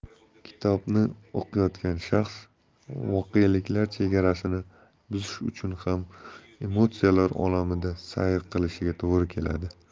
kitobni o'qiyotgan shaxs voqeliklar chegarasini buzish uchun ham emotsiyalar olamida sayr qilishiga to'g'ri keladi